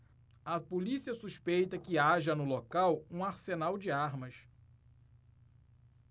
a polícia suspeita que haja no local um arsenal de armas